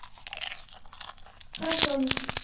хорошо алиса